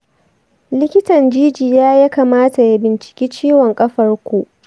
likitan jijiya ya kamata ya binciki ciwon ƙafar ku.